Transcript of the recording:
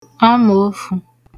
amòofū